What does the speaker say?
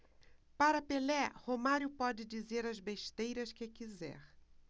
para pelé romário pode dizer as besteiras que quiser